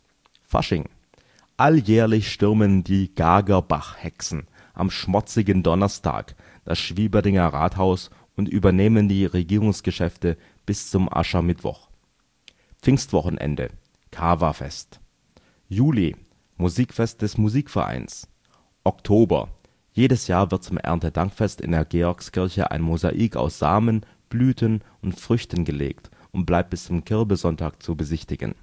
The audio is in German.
Fasching: Alljährlich stürmen die Gagerbach-Hexen am „ Schmotzigen Donnerstag “das Schwieberdinger Rathaus und übernehmen die Regierungsgeschäfte bis zum Aschermittwoch. Pfingstwochenende: Kawa-Fest Juli: Musikfest des Musikvereins Oktober: Jedes Jahr wird zum Erntedankfest in der Georgskirche ein Mosaik aus Samen, Blüten und Früchten gelegt und bleibt bis zum Kirbesonntag zu besichtigen